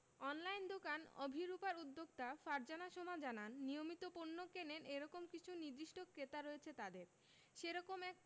online দোকান অভিরুপার উদ্যোক্তা ফারজানা সোমা জানান নিয়মিত পণ্য কেনেন এ রকম নির্দিষ্ট কিছু ক্রেতা রয়েছে তাঁদের সে রকম এক